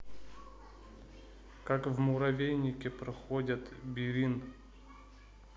как в муравейнике проходят бирин